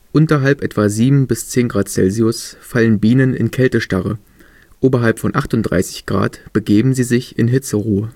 Unterhalb etwa 7 bis 10 °C fallen Bienen in Kältestarre, oberhalb von 38 °C begeben sie sich in Hitzeruhe